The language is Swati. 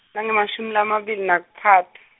langemashumi lamabili nakutsatfu.